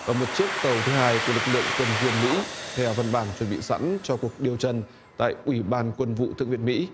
và một chiếc tàu thứ hai của lực lượng tuần duyên mỹ theo văn bản chuẩn bị sẵn cho cuộc điều trần tại ủy ban quân vụ thượng viện mỹ